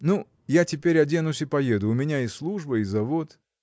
Ну, я теперь оденусь и поеду; у меня и служба и завод.